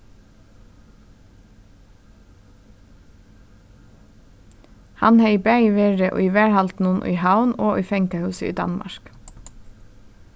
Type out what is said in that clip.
hann hevði bæði verið í varðhaldinum í havn og í fangahúsi í danmark